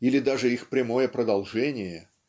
или даже их прямое продолжение